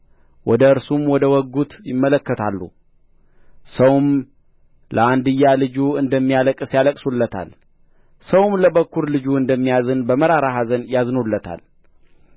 ወደ እርሱም ወደ ወጉት ይመለከታሉ ሰውም ለአንድያ ልጁ እንደሚያለቅስ ያለቅሱለታል ሰውም ለበኵር ልጁ እንደሚያዝን በመራራ ኀዘን ያዝኑለታል